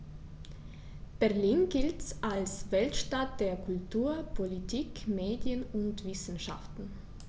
Berlin gilt als Weltstadt der Kultur, Politik, Medien und Wissenschaften.